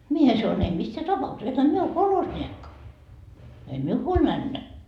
minä sanoin en missään tapauksessa enhän minä ole kolhosniekka ei minun huoli mennä